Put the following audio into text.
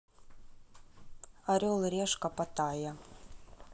орел и решка патайя